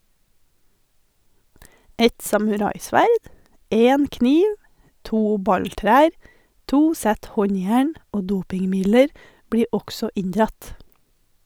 Et samuraisverd, en kniv, to balltrær, to sett håndjern og dopingmidler blir også inndratt.